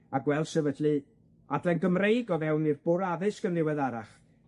A gweld sefydlu adran Gymreig o fewn i'r Bwr' Addysg yn ddiweddarach.